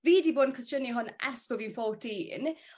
fi 'di bod yn cwestiynu hwn ers bo' fi'n fourteen